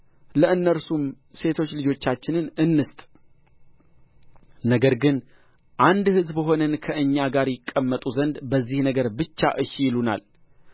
ለእነርሱም ሴቶች ልጆቻችንን እንስጥ ነገር ግን አንድ ሕዝብ ሆነን ከእኛ ጋር ይቀመጡ ዘንድ በዚህ ነገር ብቻ እሺ ይሉናል